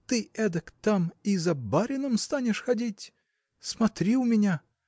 Ты этак там и за барином станешь ходить? Смотри у меня!